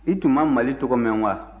i tun ma mali tɔgɔ mɛn wa